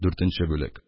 Дүртенче бүлек